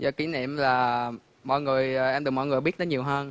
dạ kỷ niệm là mọi người em được mọi người biết đến nhiều hơn